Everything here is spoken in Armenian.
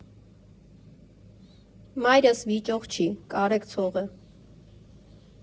Մայրս վիճող չի, կարեկցող է։